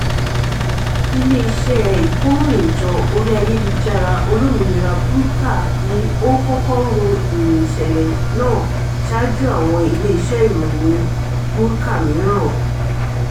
Ilé-iṣẹ́ Ìkóròyìnjọ Orí-ayélujára Olómìnira Bulka ni ó kọ́kọ́ ro ìyìn ìṣẹ̀lẹ̀ náà ṣáájú àwọn ilé-iṣẹ́ ìròyìn Bulka mìíràn.